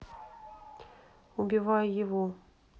убивая его